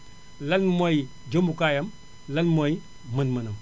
lan mooy jëmukaayam lan mooy mën-mënam